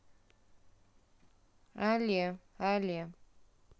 алле алле